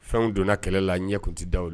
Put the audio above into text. Fɛnw donna kɛlɛ la ɲɛkun tɛ dawu la